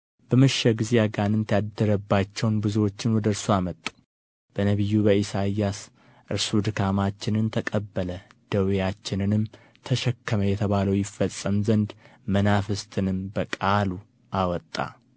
በመሸም ጊዜ አጋንንት ያደረባቸውን ብዙዎችን ወደ እርሱ አመጡ በነቢዩ በኢሳይያስ እርሱ ድካማችንን ተቀበለ ደዌያችንንም ተሸከመ የተባለው ይፈጸም ዘንድ መናፍስትን በቃሉ አወጣ